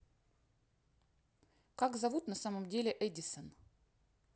как зовут на самом деле эдисон